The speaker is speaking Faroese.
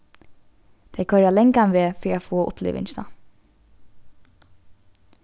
tey koyra langan veg fyri at fáa upplivingina